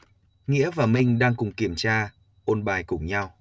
nghĩa và minh đang cùng kiểm tra ôn bài cùng nhau